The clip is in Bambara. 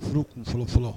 Furu fɔlɔ fɔlɔ